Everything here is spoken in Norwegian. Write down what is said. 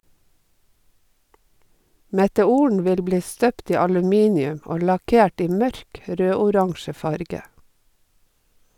Meteoren vil bli støpt i aluminium og lakkert i mørk rød-oransje farge.